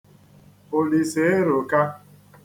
Òlìsàeròka